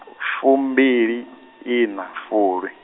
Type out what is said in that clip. fumbili ina, fulwi.